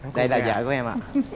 đây là dợ của em ạ